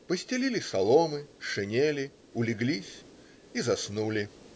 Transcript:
Постелили соломы, шинели, улеглись и заснули.